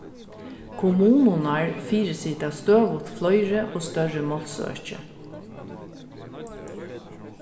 kommunurnar fyrisita støðugt fleiri og størri málsøki